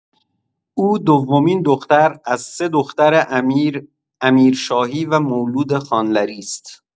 او دومین دختر از سه دختر امیر امیرشاهی و مولود خانلری است.